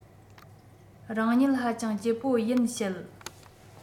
རང ཉིད ཧ ཅང སྐྱིད པོ ཡིན བཤད